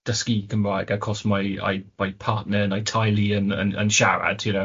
dysgu Cymraeg acos mae ai partner neu ai teulu yn yn yn siarad you know.